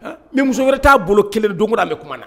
Mɛ muso wɛrɛ t'a bolo kelen don bɛ kuma na